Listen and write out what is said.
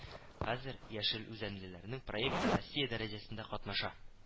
Хәзер яшелүзәнлеләрнең проекты Россия дәрәҗәсендә катнаша